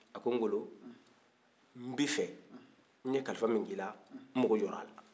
a ko ngolo n bɛ fɛ n ye kalifa min kɛ i la n mago jɔra a la